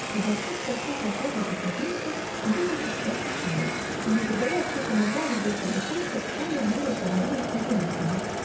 Гробовщик просил сапожника садиться и выкушать чашку чаю, и благодаря открытому нраву Готлиба Шульца вскоре они разговорились дружелюбно.